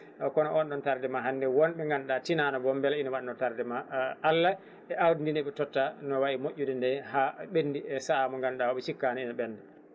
eyyi kono on ɗon tardement hande wonɓe ganduɗa tianano won beele ina wadno tardement Allah e awdi ndi ndeɓe totta no waayi moƴƴude nde ha ɓendi e saaha mo ganduɗa o ɓe cikkano ene ɓenda